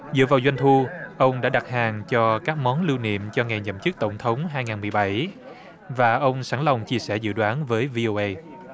dựa vào doanh thu ông đã đặt hàng cho các món lưu niệm cho ngày nhậm chức tổng thống hai ngàn mười bảy và ông sẵn lòng chia sẻ dự đoán với vi ô ây